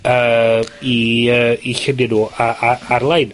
yy i yy i llunia' nw a- a- ar lein.